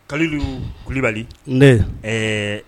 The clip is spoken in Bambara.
Kalilu kulibali ne ɛɛ